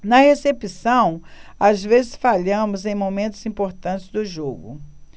na recepção às vezes falhamos em momentos importantes do jogo